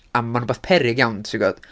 A ma'n rwbath peryg iawn, ti'n gwbod.